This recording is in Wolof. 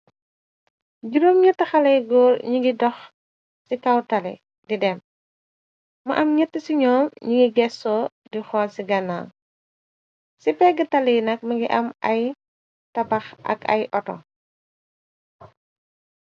Juróom ñett haley góor ñu ngi doj ci kaw tali di dem. Mu am ñett ci ñoom ñungi géssoo di hool ci ganaam. Ci pegg tali yi nak mungi am ay tabah ak ay oto.